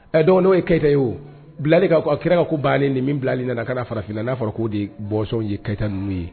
Ɛ donc n'o ye Keita ye o Bilali ka ko a kira ka ko bannen de ni Bilali nana kana farafinna n'a fɔra k'o de b bɔnsɔn ye Keita ninnu ye